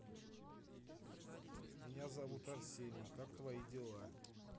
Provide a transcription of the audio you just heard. меня зовут арсений как твои дела